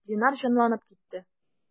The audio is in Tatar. Линар җанланып китте.